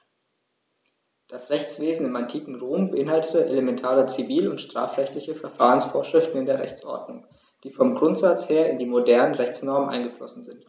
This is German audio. Das Rechtswesen im antiken Rom beinhaltete elementare zivil- und strafrechtliche Verfahrensvorschriften in der Rechtsordnung, die vom Grundsatz her in die modernen Rechtsnormen eingeflossen sind.